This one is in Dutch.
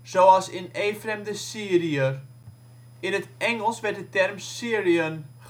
zoals in Efrem de Syriër). In het Engels werd de term Syrian gehanteerd